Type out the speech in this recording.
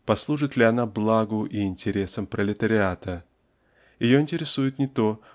послужит ли она благу и интересам пролетариата ее интересует не то